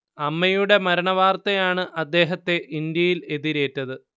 അമ്മയുടെ മരണവാർത്തയാണ് അദ്ദേഹത്തെ ഇന്ത്യയിൽ എതിരേറ്റത്